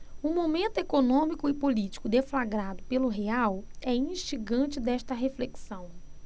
o momento econômico e político deflagrado pelo real é instigante desta reflexão